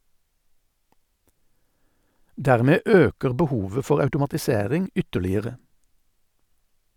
Dermed øker behovet for automatisering ytterligere.